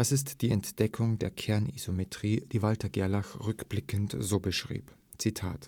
ist die Entdeckung der Kernisomerie, die Walther Gerlach rückblickend so beschrieb: „ War